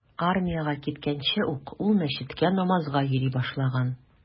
Армиягә киткәнче ук ул мәчеткә намазга йөри башлаган.